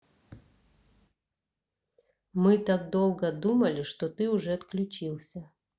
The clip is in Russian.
мы так долго думали что ты уже отключился